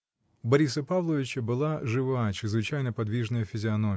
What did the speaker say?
У Бориса Павловича была живая, чрезвычайно подвижная физиономия.